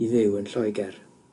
i fyw yn Lloeger.